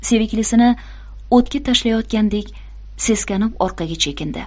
seviklisini o'tga tashlayotgandek seskanib orqaga chekindi